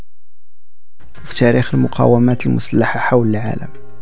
تاريخ المقاومه المسلحه حول العالم